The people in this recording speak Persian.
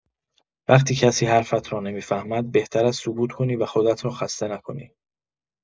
وقتی کسی حرفت را نمی‌فهمد، بهتر است سکوت کنی و خودت را خسته نکنی.